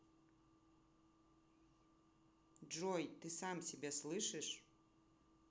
джой ты сам себя слышишь